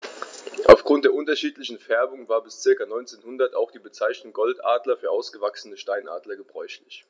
Auf Grund der unterschiedlichen Färbung war bis ca. 1900 auch die Bezeichnung Goldadler für ausgewachsene Steinadler gebräuchlich.